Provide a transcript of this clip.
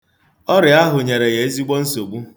Ọrịa ahụ nyere ya ezigbo nsogbu.